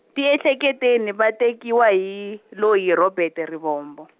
tiehleketeni va tekiwa hi, loyi Robert Rivombo.